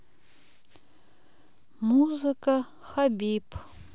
музыка хабиб